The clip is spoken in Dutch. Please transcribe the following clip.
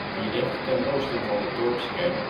Direct ten oosten van de dorpskern